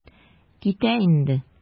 Китә инде.